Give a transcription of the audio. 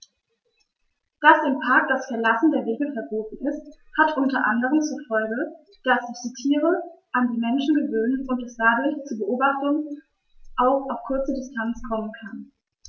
Dass im Park das Verlassen der Wege verboten ist, hat unter anderem zur Folge, dass sich die Tiere an die Menschen gewöhnen und es dadurch zu Beobachtungen auch auf kurze Distanz kommen kann.